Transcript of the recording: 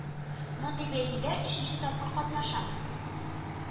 Мондый бәйгедә өченче тапкыр катнашам